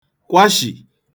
kwashì